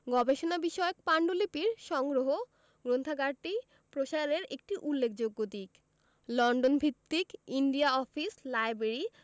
গবেষণা বিষয়ক পান্ডুলিপির সংগ্রহ গ্রন্থাগারটি প্রসারের একটি উল্লেখযোগ্য দিক লন্ডন ভিত্তিক ইন্ডিয়া অফিস লাইব্রেরি